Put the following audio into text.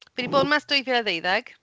Fi 'di bod yma ers dwy fil a ddeuddeg